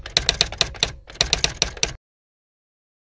những căn biệt thự nghìn tỷ trên mảnh đất du lịch đầy tiềm năng